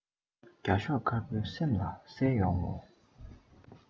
རྒྱ ཤོག དཀར པོའི སེམས ལ གསལ ཡོང ངོ